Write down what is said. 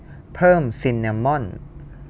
เพิ่มซินนามอน